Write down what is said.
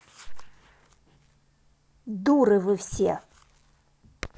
дуры вы все